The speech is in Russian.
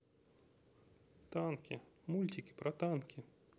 танки мультики про танки